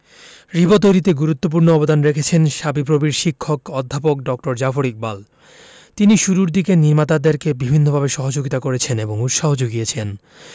রিবো তৈরিতে গুরুত্বপূর্ণ অবদান রেখেছেন শাবিপ্রবির শিক্ষক অধ্যাপক ড জাফর ইকবাল তিনি শুরুর দিকে নির্মাতাদেরকে বিভিন্নভাবে সহযোগিতা করেছেন এবং উৎসাহ যুগিয়েছেন